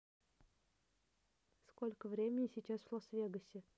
сколько времени сейчас в лас вегасе